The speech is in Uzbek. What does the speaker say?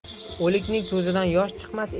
o'likning ko'zidan yosh chiqmas